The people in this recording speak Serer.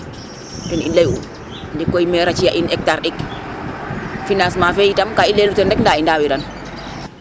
ten i ley u ndik koy maire a ciya in hectare ɗik financement fe itam ka i leyelo ten rek nda i ndawiran